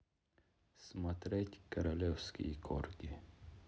смотреть королевские корги